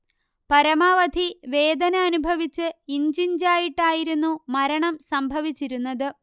പരമാവധി വേദന അനുഭവിച്ച് ഇഞ്ചിഞ്ചായിട്ടായിരുന്നു മരണം സംഭവിച്ചിരുന്നത്